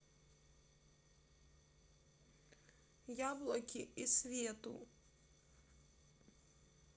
яблоки и свету